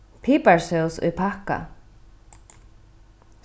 piparsós í pakka